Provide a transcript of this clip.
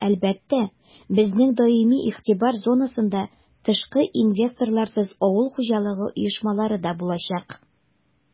Әлбәттә, безнең даими игътибар зонасында тышкы инвесторларсыз авыл хуҗалыгы оешмалары да булачак.